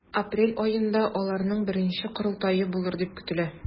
Апрель аенда аларның беренче корылтае булыр дип көтелә.